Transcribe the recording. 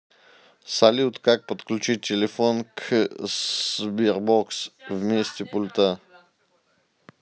салют как подключить телефон к sberbox вместо пульта